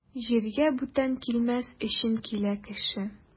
Җиргә бүтән килмәс өчен килә кеше.